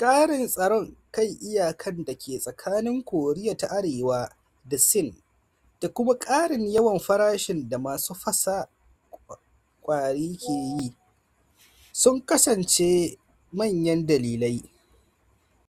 karin tsaron kan iyakan da ke tsakanin Koriya ta Arewa da Sin da kuma karin yawan farashin da masu fasa kwari ke yi sun kasance manyan dalilai.